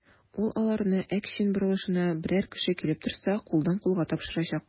Ул аларны Әкчин борылышына берәр кеше килеп торса, кулдан-кулга тапшырачак.